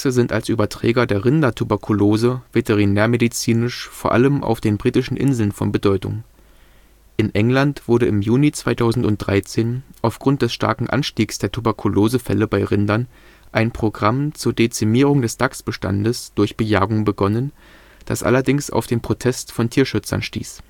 sind als Überträger der Rinder-Tuberkulose veterinärmedizinisch vor allem auf den britischen Inseln von Bedeutung. In England wurde im Juni 2013 aufgrund des starken Anstiegs der Tuberkulose-Fälle bei Rindern ein Programm zur Dezimierung des Dachsbestandes durch Bejagung begonnen, das allerdings auf den Protest von Tierschützern stieß